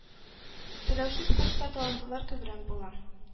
Түләүсез курста талантлылар күбрәк була,